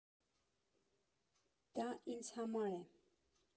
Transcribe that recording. Դա ինձ համար է։